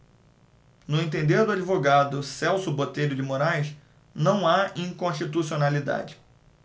no entender do advogado celso botelho de moraes não há inconstitucionalidade